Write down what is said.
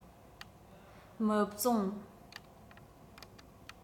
མི བཙོངས